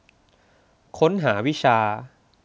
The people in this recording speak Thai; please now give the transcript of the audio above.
ค้นหาวิชา